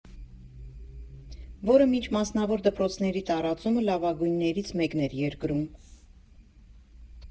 Որը մինչ մասնավոր դպրոցների տարածումը լավագույններից մեկն էր երկրում։